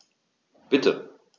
Bitte.